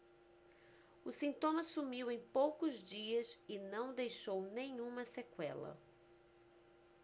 o sintoma sumiu em poucos dias e não deixou nenhuma sequela